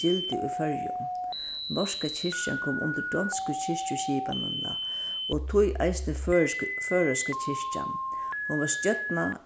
gildi í føroyum norska kirkjan kom undir donsku kirkjuskipanina og tí eisini føroysku føroyska kirkjan hon varð stjórnað